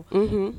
Hhun